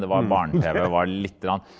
det var barne-tv var lite grann.